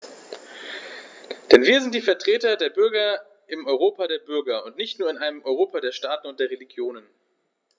Denn wir sind die Vertreter der Bürger im Europa der Bürger und nicht nur in einem Europa der Staaten und der Regionen.